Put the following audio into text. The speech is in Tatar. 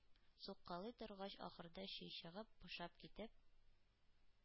Суккалый торгач, ахырда чөй чыгып, бушап китеп,